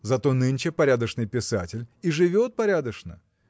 Зато нынче порядочный писатель и живет порядочно